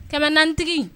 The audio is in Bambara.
400 tigi in